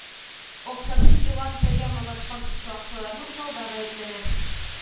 Акчасы дип игълан итәргә маташкан шушы акчаларны урлауда гаепләнә